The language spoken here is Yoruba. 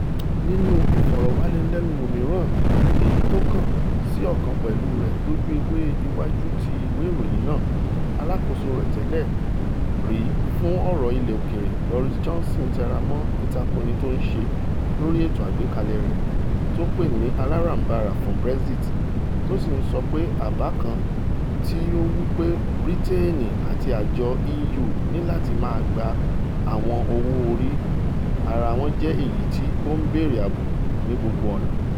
Nínú ìfọ̀ròwánilẹ́nuwò mìíràn èyí tókàn sí ọ̀kan pẹ̀lú rẹ̀ lójú ewé iwájú ti iwe iroyin náà, aláàkóso rẹ̀ tẹ́lẹ̀ rí fún ọ̀rọ̀ ilẹ̀ òkèèrè Boris Johnson tẹramọ́ ìtakoni tó ńṣe lórí ètò àgbékalẹ̀ rẹ̀ tó pè ní Aláràm̀barà fún Brexit, tó sì ńsọ pé àbá kan tí ó wí pé Briteeni àti àjọ EU níláti máa gba àwọn owó-orí ara wọn jẹ́ èyití ''ó ń béèrè àbùkú ní gbogbo ọ̀nà.''